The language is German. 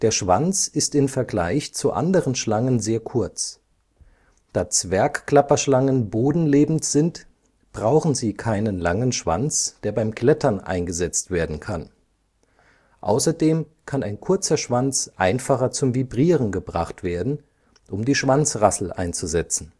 Schwanz ist im Vergleich zu anderen Schlangen sehr kurz. Da Zwergklapperschlangen bodenlebend sind, brauchen sie keinen langen Schwanz, der beim Klettern eingesetzt werden kann. Außerdem kann ein kurzer Schwanz einfacher zum Vibrieren gebracht werden, um die Schwanzrassel einzusetzen